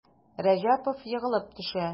Рәҗәпов егылып төшә.